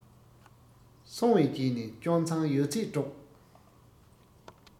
སོང བའི རྗེས ནས སྐྱོན མཚང ཡོད ཚད སྒྲོག